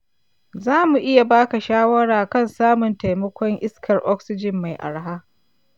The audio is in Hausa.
za mu iya ba ka shawara kan samun taimakon iskar oxygen mai arha.